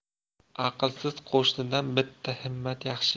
aqlsiz qo'shnidan bitta himmat yaxshi